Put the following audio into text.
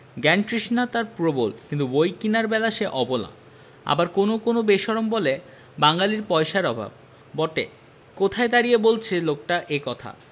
জ্ঞানতৃষ্ণা তার প্রবল কিন্তু বই কেনার বেলা সে অবলা আবার কোনো কোনো বেশরম বলে বাঙালীর পয়সার অভাব বটে কোথায় দাঁড়িয়ে বলছে লোকটা এ কথা